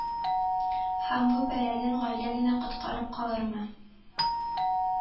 Һәм бу бәләдән гаилә генә коткарып калырмы